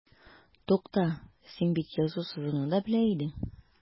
Тукта, син бит язу-сызуны да белә идең.